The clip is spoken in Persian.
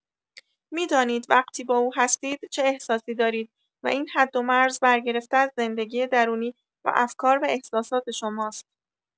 می‌دانید وقتی با او هستید چه احساسی دارید و این حدومرز برگرفته از زندگی درونی و افکار و احساسات شماست.